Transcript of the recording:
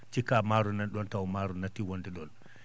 cikkaa maaro nan ɗon taw maaro nattii wonde ɗon